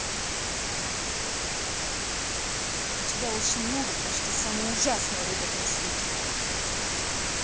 у тебя очень много потому что ты самый ужасный робот на свете